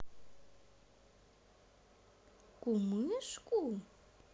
кумышку